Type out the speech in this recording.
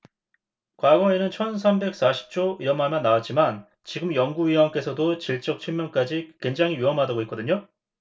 과거에는 천 삼백 사십 조 이런 말만 나왔지만 지금 연구위원께서도 질적 측면까지 굉장히 위험하다고 했거든요